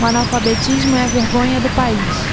o analfabetismo é a vergonha do país